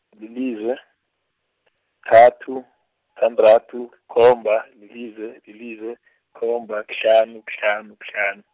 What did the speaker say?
lilize, kuthathu, sithandathu, khomba, lilize, ilize, khomba, kuhlanu, kuhlanu, kuhlanu.